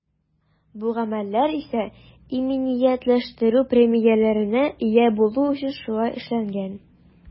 Бу гамәлләр исә иминиятләштерү премияләренә ия булу өчен шулай эшләнгән.